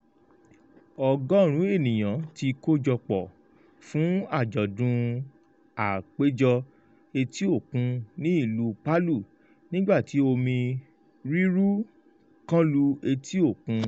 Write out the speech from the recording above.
Ọgọrùn-ún ènìyàn ti kójọpọ̀ fún àjọ̀dún àpéjọ etí òkun ní ìlú Palu nígbà tí omi rírú kánlu etí òkun.